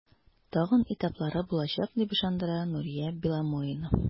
Тагын этаплары булачак, дип ышандыра Нурия Беломоина.